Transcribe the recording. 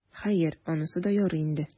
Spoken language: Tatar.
Хәер, анысы да ярый инде.